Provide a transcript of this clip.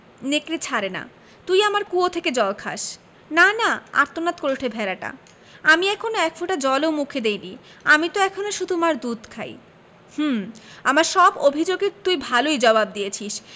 নেকড়ে ছাড়ে না তুই আমার কুয়ো থেকে জল খাস না না আর্তনাদ করে ওঠে ভেড়াটা আমি এখনো এক ফোঁটা জল ও মুখে দিইনি আমি ত এখনো শুধু মার দুধ খাই হুম আমার সব অভিযোগ এর তুই ভালই জবাব দিয়ে দিয়েছিস